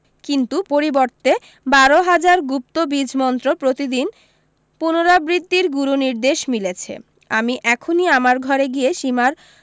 কিন্তু পরিবর্তে বারো হাজার গুপ্ত বীজমন্ত্র প্রতিদিন পুনরাবৃত্তির গুরুনির্দেশ মিলেছে আমি এখনি আমার ঘরে গিয়ে সীমার